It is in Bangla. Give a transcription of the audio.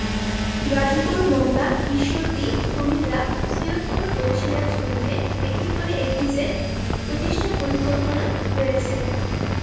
গাজীপুর মংলা ঈশ্বরদী কুমিল্লা সৈয়দপুর ও সিরাজগঞ্জে একটি করে ইপিজেড প্রতিষ্ঠার পরিকল্পনা রয়েছে